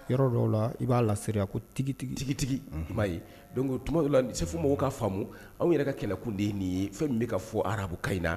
Yɔrɔ dɔw la i b'a la seereya ko tigitigi tigitigi, i ma ye, donc tuma dɔw la fɔ mɔgɔw ka faamuya anw yɛrɛ ka kɛlɛkun de ye nin ye fɛn min bɛ ka fɔ arabukan in na